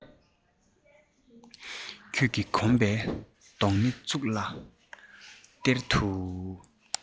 ཁྱོད ཀྱི གོམ པའི རྡོག སྣེ གཙུག ལག གཏེར དུ